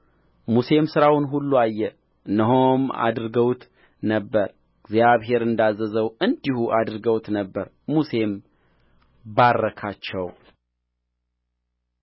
ሙሴም ሥራውን ሁሉ አየ እነሆም አድርገውት ነበር እግዚአብሔር እንዳዘዘው እንዲሁ አድርገውት ነበር ሙሴም ባረካቸው